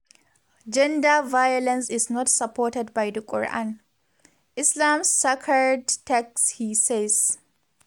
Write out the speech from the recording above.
Gender violence is not supported by the Quran, Islam's sacred text, he says.